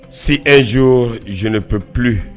Si ezo zep